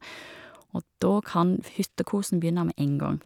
Og da kan f hyttekosen begynne med en gang.